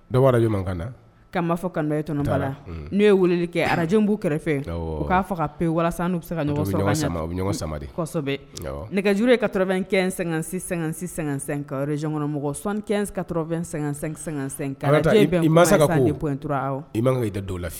Na ka ma fɔ kaɔnɔta la n'u ye weele kɛ araj b'u kɛrɛfɛ k'a faga ka pe walasasɔ kosɛbɛ nɛgɛjuru ye ka kɛ sɛgɛn-sɛ-sɛre janɔnmɔgɔ ka- dɔw lafi